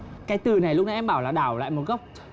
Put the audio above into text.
cái từ này lúc nãy em bảo là đảo lại một góc